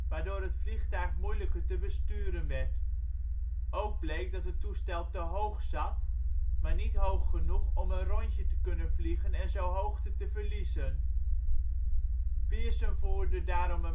waardoor het vliegtuig moeilijker te besturen werd. Ook bleek dat het toestel te hoog zat, maar niet hoog genoeg om een rondje te kunnen vliegen en zo hoogte te verliezen. Pearson voerde daarom